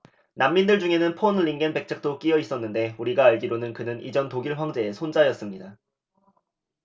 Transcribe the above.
난민들 중에는 폰 링겐 백작도 끼여 있었는데 우리가 알기로는 그는 이전 독일 황제의 손자였습니다